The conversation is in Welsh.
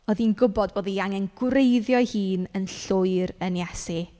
Oedd hi'n gwbod bod hi angen gwreiddio ei hun yn llwyr yn Iesu.